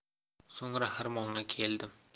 so'ngra xirmonga keldim